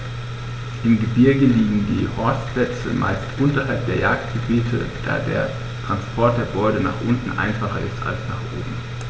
Im Gebirge liegen die Horstplätze meist unterhalb der Jagdgebiete, da der Transport der Beute nach unten einfacher ist als nach oben.